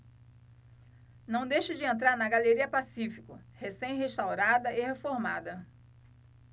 não deixe de entrar na galeria pacífico recém restaurada e reformada